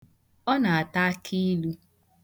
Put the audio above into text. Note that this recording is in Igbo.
Ọ na-ata akịilu.